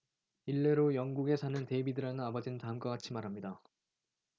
일례로 영국에 사는 데이비드라는 아버지는 다음과 같이 말합니다